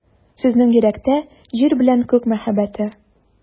Сезнең йөрәктә — Җир белә Күк мәхәббәте.